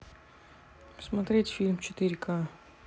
смотреть фильмы в четыре к